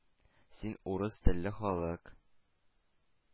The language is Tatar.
Син — «урыс телле халык».